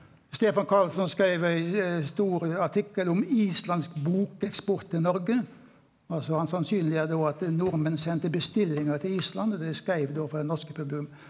Stephan Karlsson skreiv ei ei stor artikkel om islandsk bokeksport til Noreg, altså han sannsynleggjer då at nordmenn sendte bestillingar til Island og dei skreiv då for for det norske publikum.